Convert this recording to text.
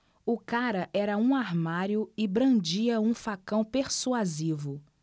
o cara era um armário e brandia um facão persuasivo